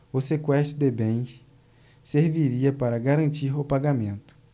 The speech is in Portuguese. o sequestro de bens serviria para garantir o pagamento